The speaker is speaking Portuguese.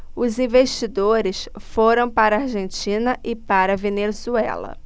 os investidores foram para a argentina e para a venezuela